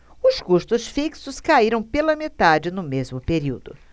os custos fixos caíram pela metade no mesmo período